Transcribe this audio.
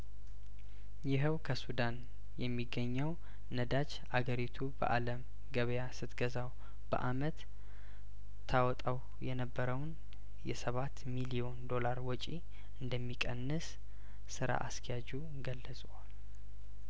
ይኸው ከሱዳን የሚገኘው ነዳጅ አገሪቱ በአለም ገበያስት ገዛው በአመት ታወጣ የነበረውን የሰባት ሚሊዮን ዶላር ወጪ እንደሚቀንስ ስራ አስኪያጁ ገለጸዋል